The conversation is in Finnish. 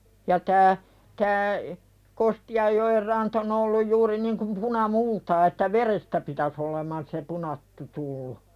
ja tämä tämä Kostianjoen ranta on ollut juuri niin kuin punamultaa että verestä pitäisi oleman se punattu tullut